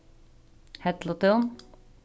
hellutún